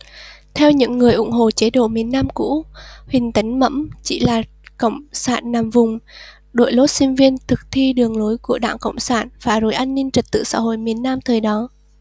theo những người ủng hộ chế độ miền nam cũ huỳnh tấn mẩm chỉ là cộng sản nằm vùng đội lốt sinh viên thực thi đường lối của đảng cộng sản phá rối an ninh trật tự xã hội miền nam thời đó